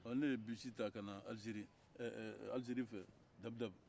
ne ye mobili ta ka na alizeri fɛ dabe-dabe